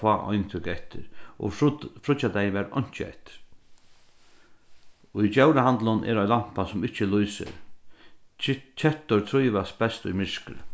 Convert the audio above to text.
fá eintøk eftir og fríggjadagin var einki eftir í djórahandlinum er ein lampa sum ikki lýsir kettur trívast best í myrkri